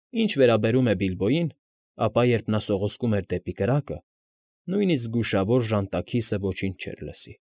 Ինչ վերաբերում է Բիլբոյին, ապա երբ նա սողոսկում էր դեպի կրակը, նույնիսկ զգուշավոր ժանտաքիսը ոչինչ չէր լսի։